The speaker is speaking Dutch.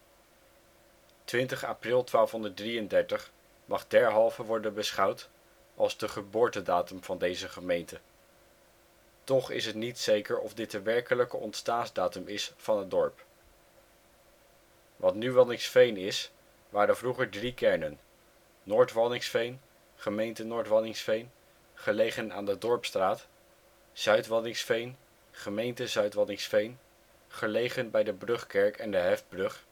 20 april 1233 mag derhalve worden beschouwd als de ‘geboortedatum’ van deze gemeente. Toch is het niet zeker of dit de werkelijke ontstaansdatum is van het dorp. Wat nu Waddinxveen is waren vroeger drie kernen: Noord-Waddinxveen (gemeente Noord-Waddinxveen) gelegen aan de Dorpstraat, Zuid-Waddinxveen (gemeente Zuid-Waddinxveen) gelegen bij de brugkerk en de hefbrug